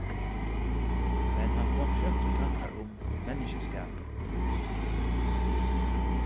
men hann kom skjótt í tankar um menniskjaskapið